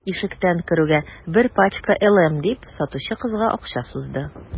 Ишектән керүгә: – Бер пачка «LM»,– дип, сатучы кызга акча сузды.